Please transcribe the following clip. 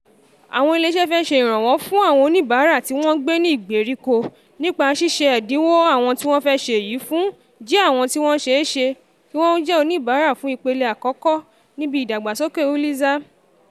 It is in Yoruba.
Àwọn ilé iṣẹ́ fẹ́ ṣe ìrànwọ́ fún àwọn oníbàárà tí wọ́n ń gbé ní ìgbèríko nípa ṣíṣe ẹ̀dínwó àwọn tí wọ́n fẹ́ ṣe èyí fún jẹ́ àwọn tí wọ́n ṣeéṣe kí wọn ó jẹ́ oníbàárà fún ìpele àkọ́kọ́ níbi ìdàgbàsókè Uliza.